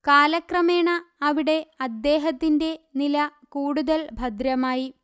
കാലക്രമേണ അവിടെ അദ്ദേഹത്തിന്റെ നില കൂടുതൽ ഭദ്രമായി